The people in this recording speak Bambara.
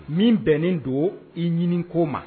Min bɛnnen don i ɲiniko ma